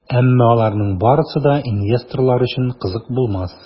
Әмма аларның барысы да инвесторлар өчен кызык булмас.